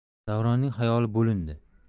davronning xayoli bo'lindi